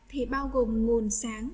thì bao gồm nguồn sáng